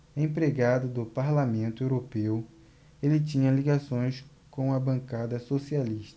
empregado do parlamento europeu ele tinha ligações com a bancada socialista